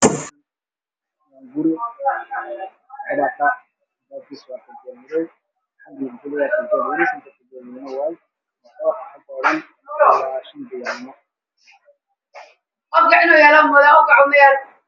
Waxaa ii muuqda gurya dabaq oo aada u dhaadheer oo midabkooda cadaan albaabku waa madow